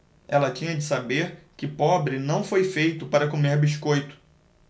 ela tinha de saber que pobre não foi feito para comer biscoito